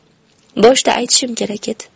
boshida aytishim kerak edi